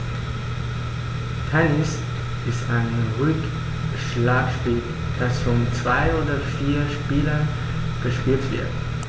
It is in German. Tennis ist ein Rückschlagspiel, das von zwei oder vier Spielern gespielt wird.